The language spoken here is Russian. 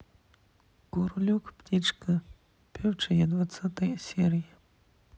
королек птичка певчая двадцатая серия